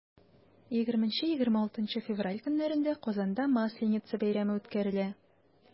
20-26 февраль көннәрендә казанда масленица бәйрәме үткәрелә.